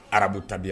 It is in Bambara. Arabu tabiya